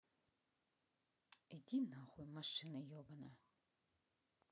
иди нахуй машина ебаная